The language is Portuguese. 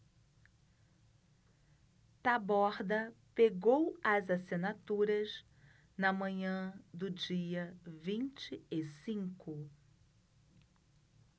taborda pegou as assinaturas na manhã do dia vinte e cinco